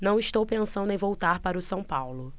não estou pensando em voltar para o são paulo